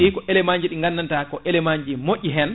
ɗi ko éléments ji ɗi gandanta ko éléments ji moƴƴi hen